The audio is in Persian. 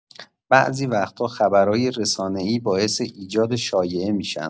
بعضی وقتا خبرای رسانه‌ای باعث ایجاد شایعه می‌شن.